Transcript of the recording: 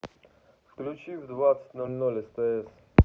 включи в девятнадцать ноль ноль стс